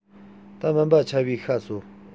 ད སྨན པ ཆ བོས ཤ ཟོ